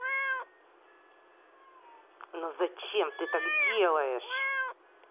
ну зачем ты так делаешь